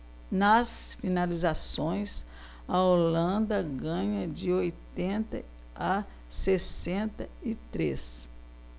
nas finalizações a holanda ganha de oitenta a sessenta e três